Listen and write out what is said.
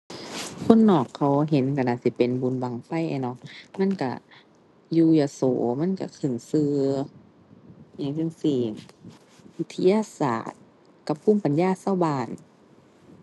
คนนอกเขาเห็นก็น่าสิเป็นบุญบั้งไฟอะเนาะ มันก็อยู่ยโสมันก็ขึ้นก็อิหยังจั่งซี้ วิทยาศาสตร์กับภูมิปัญญาก็บ้าน